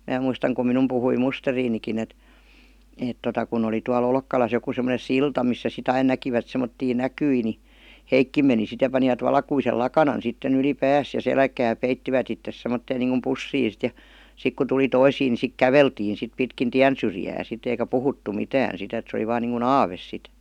minä muistan kun minun puhui musterinikin että että tuota kun oli tuolla Olkkalassa joku semmoinen silta missä sitten aina näkivät semmoisia näkyjä niin hekin meni sitten ja panivat valkoisen lakanan sitten yli päänsä ja selkää peittivät itsensä semmoiseen niin kuin pussiin sitten ja sitten kun tuli toisia niin sitten käveltiin sitten pitkin tien syrjää sitten eikä puhuttu mitään sitten että se oli vain niin kuin aave sitten